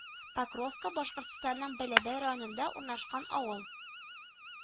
Покровка Башкортстанның Бәләбәй районында урнашкан авыл